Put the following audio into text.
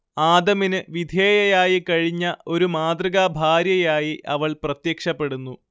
ആദമിന് വിധേയയായി കഴിഞ്ഞ ഒരു മാതൃകാഭാര്യയായി അവൾ പ്രത്യക്ഷപ്പെടുന്നു